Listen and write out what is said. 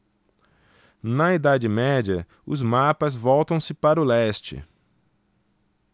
na idade média os mapas voltam-se para o leste